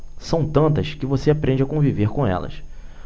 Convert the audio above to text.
são tantas que você aprende a conviver com elas